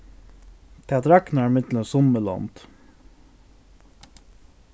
tað dragnar ímillum summi lond